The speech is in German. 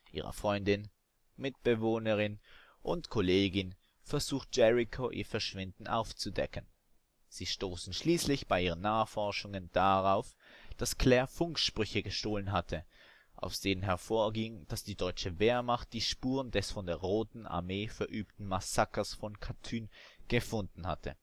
ihrer Freundin, Mitbewohnerin und Kollegin, versucht Jericho ihr Verschwinden aufzudecken. Sie stoßen schließlich bei ihren Nachforschungen darauf, dass Claire Funksprüche gestohlen hatte, aus denen hervorging, dass die deutsche Wehrmacht die Spuren des von der Roten Armee verübten Massakers von Katyn gefunden hatte